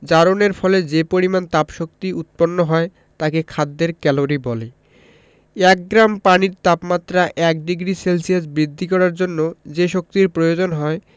জারণের ফলে যে পরিমাণ তাপশক্তি উৎপন্ন হয় তাকে খাদ্যের ক্যালরি বলে এক গ্রাম পানির তাপমাত্রা ১ ডিগ্রি সেলসিয়াস বৃদ্ধি করার জন্য যে শক্তির প্রয়োজন হয়